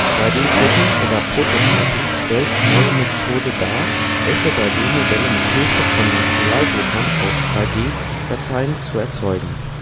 3-D-drucken oder Prototyping stellt eine neue Methode dar, echte 3-D-Modelle mithilfe von Materialdruckern aus 3-D-Daten zu erzeugen